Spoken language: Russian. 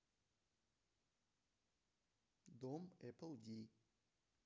дом элли ди